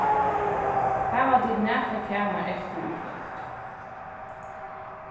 hava tit nakað kamar eftir í kvøld